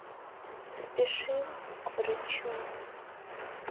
запиши к врачу